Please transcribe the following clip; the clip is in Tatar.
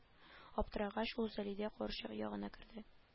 Аптырагач ул залидә карчык ягына керде